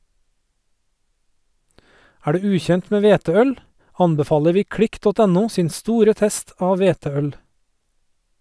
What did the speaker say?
Er du ukjent med hveteøl , anbefaler vi klikk.no sin store test av hveteøl.